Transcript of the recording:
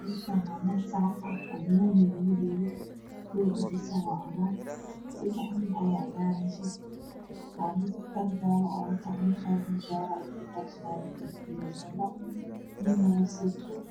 Meeshaan waa meel salax ah banoniga lagu dheelo rooga ku fidsan waa cagaar sadex nin ayaa ciyarayso waa mid dhar jaale ah wato midkale jaale ayuu wataa fanaanad iyo buumo midna waa saytuun